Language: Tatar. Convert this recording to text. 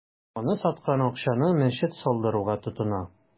Аны саткан акчаны мәчет салдыруга тотына.